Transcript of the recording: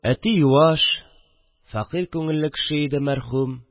Әти юаш, фәкыйрь күңелле кеше иде мәрхүм